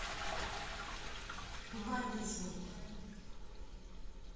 убавить звук